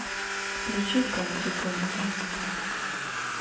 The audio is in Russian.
включи кэнди кэнди